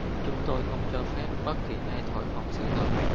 chúng tôi không cho phép bất kỳ ai thổi phồng sự thật